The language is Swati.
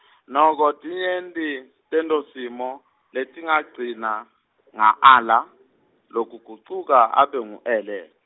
noko tinyenti, tentosimo, letingagcina, nga ala, lokugucuka abe ngu ele.